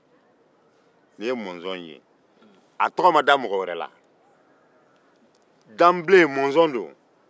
n'i ye mɔzɔn ye a tɔgɔ ma da mɔgɔ wɛrɛ la danbilen mɔzɔn don